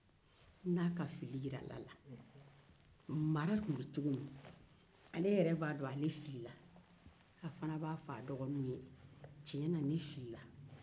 n'a ka fili jirala a la mara tun bɛ cogo min ale yɛrɛ b'a dɔn ale filila a fana b'a fɔ a dɔgɔninw ye tiɲɛna ne filila